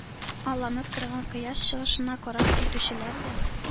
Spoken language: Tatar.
Алланып торган кояш чыгышына карап китүчеләр дә